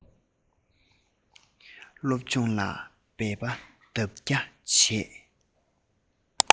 སློབ སྦྱོང ལ འབད པ ལྡབ བརྒྱ བྱ